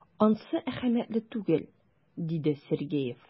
Ансы әһәмиятле түгел,— диде Сергеев.